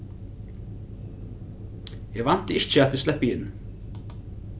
eg vænti ikki at eg sleppi inn